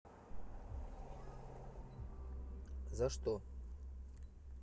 за что